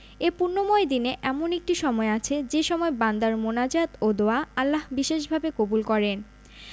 এ পুণ্যময় দিনে এমন একটি সময় আছে যে সময় বান্দার মোনাজাত ও দোয়া আল্লাহ বিশেষভাবে কবুল করেন